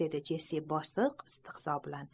dedi jessi bosiq istehzo bilan